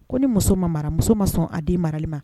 Ko ni muso ma mara muso ma sɔn a den marali ma